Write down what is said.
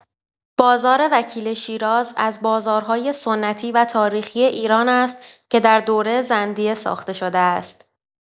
بازار وکیل شیراز از بازارهای سنتی و تاریخی ایران است که در دوره زندیه ساخته شده است.